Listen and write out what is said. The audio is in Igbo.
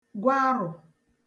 gwarụ̀